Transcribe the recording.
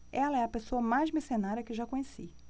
ela é a pessoa mais mercenária que já conheci